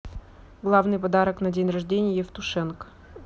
главный подарок на день рождения евтушенко